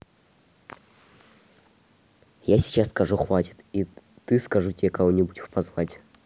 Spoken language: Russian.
я сейчас скажу хватит ты скажу тебе кого нибудь позвать